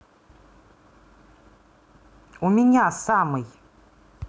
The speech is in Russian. у меня самый